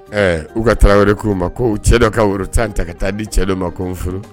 Ɛɛ u ka Tarawele k'u ma ka cɛ dɔ ka woro 10 ta ka taa di cɛ dɔ ma, ko furu